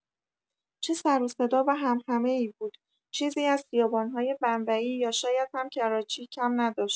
چه سر و صدا و همهمه‌ای بود، چیزی از خیابان‌های بمبئی یا شاید هم کراچی کم نداشت.